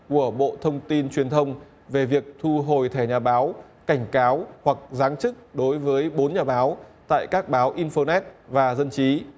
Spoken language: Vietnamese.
của bộ thông tin truyền thông về việc thu hồi thẻ nhà báo cảnh cáo hoặc giáng chức đối với bốn nhà báo tại các báo in pho nét và dân trí